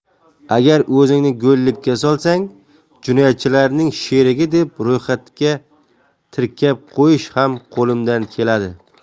agar o'zingni go'llikka solsang jinoyatchilarning sherigi deb ro'yxatga tirkab qo'yish ham qo'limdan keladi